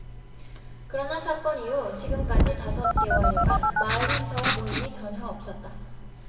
그러나 사건 이후 지금까지 다섯 개월여간 마을 행사와 모임이 전혀 없었다